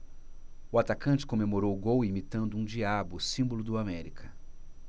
o atacante comemorou o gol imitando um diabo símbolo do américa